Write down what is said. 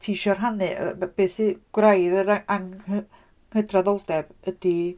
Ti isio rhannu y- y- be sydd... gwraidd yr a- anghydraddoldeb ydi...